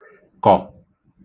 kọ̀